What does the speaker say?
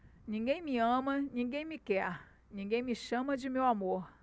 ninguém me ama ninguém me quer ninguém me chama de meu amor